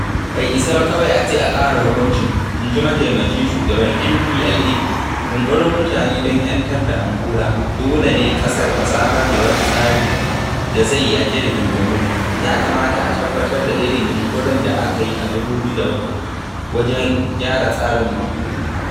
Bai isa ba kawai a ce a ƙara hukuncin, in ji mataimakin shugaban MPLA [Yunƙurin Mutane don 'Yantar da Angola], dole ne ƙasar ta samar da wani tsari da zai yaƙi rigingimu - ya kamata a tabbatar da irin yunƙurin da aka yi a 2007 wajen gyara tsarin Maputo.